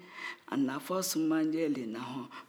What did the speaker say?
un-un